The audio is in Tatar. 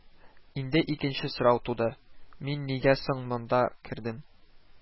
Инде икенче сорау туды: «Мин нигә соң монда кердем